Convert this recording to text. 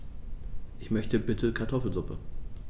Ich möchte bitte Kartoffelsuppe.